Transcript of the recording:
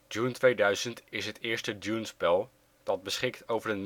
Dune 2000 is het eerste " Dune " spel dat beschikt over